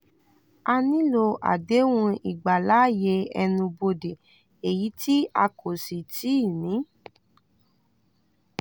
A nílò àdéhùn ìgbàláàyè ẹnu-bodè, èyí tí a kò sì tíì ní.